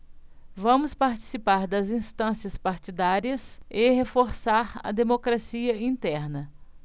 vamos participar das instâncias partidárias e reforçar a democracia interna